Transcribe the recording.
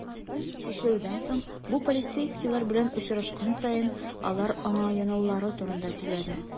Ул, көчләүдән соң, бу полицейскийлар белән очрашкан саен, алар аңа янаулары турында сөйләде.